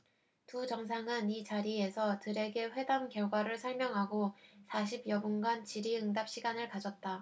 두 정상은 이 자리에서 들에게 회담 결과를 설명하고 사십 여분간 질의응답 시간을 가졌다